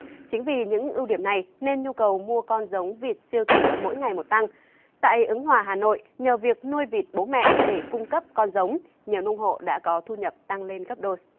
chính vì những ưu điểm này nên nhu cầu mua con giống vịt siêu thịt mỗi ngày một tăng tại ứng hòa hà nội nhờ việc nuôi vịt bố mẹ để cung cấp con giống nhiều nông hộ đã có thu nhập tăng lên gấp đôi